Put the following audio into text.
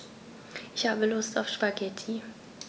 Ich habe Lust auf Spaghetti.